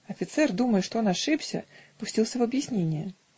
Офицер, думая, что он ошибся, пустился в объяснения.